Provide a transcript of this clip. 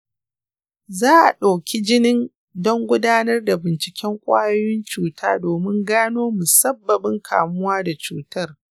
za a ɗoki jini don gudanar da binciken ƙwayoyin cuta domin gano musabbabin kamuwa da cutar